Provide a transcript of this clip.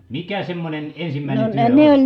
mikä semmoinen ensimmäinen työ oli